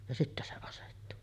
ja sitten se asettui